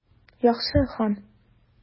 Яхшы, хан.